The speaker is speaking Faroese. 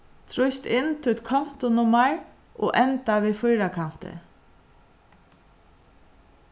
trýst inn títt kontunummar og enda við fýrakanti